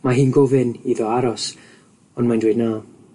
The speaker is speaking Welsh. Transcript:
Mae hi'n gofyn iddo aros, ond mae'n dweud na.